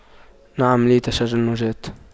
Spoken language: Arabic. نعم لي تشنجات